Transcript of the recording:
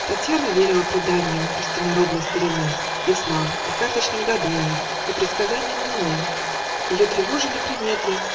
Татьяна верила преданьям Простонародной старины, И снам, и карточным гаданьям, И предсказаниям луны. Ее тревожили приметы